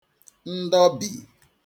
ndọbì